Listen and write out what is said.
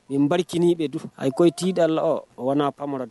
Nin barikinin bɛ don ayi ko i t'i da la o wa n